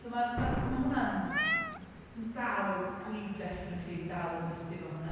So mae'r, ma'r, ma' hwnna’n… yn dal, dwi definitely dal yn dysgu efo hwnna...